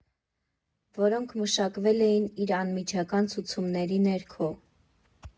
Որոնք մշակվել էին իր անմիջական ցուցումների ներքո։